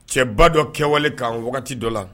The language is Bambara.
Cɛ ba dɔ kɛwale kan wagati dɔ la.